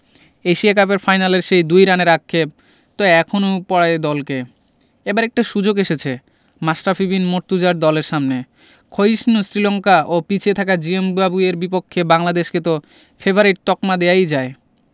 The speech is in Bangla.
এশিয়া কাপের ফাইনালের সেই ২ রানের আক্ষেপ তো এখনো পোড়ায় দলকে এবার একটা সুযোগ এসেছে মাশরাফি বিন মুর্তজার দলের সামনে ক্ষয়িষ্ণু শ্রীলঙ্কা ও পিছিয়ে থাকা জিম্বাবুয়ের বিপক্ষে বাংলাদেশকে তো ফেবারিট তকমা দেওয়াই যায়